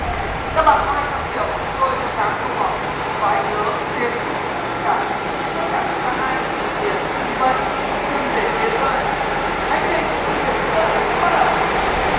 các bạn có hai trăm triệu chúng tôi có tám câu hỏi và hãy nhớ tiền không phải là tất cả nhưng tất cả chúng ta ai cũng cần tiền vì vậy đừng để tiền rơi hành trình đừng để tiền rơi bắt đầu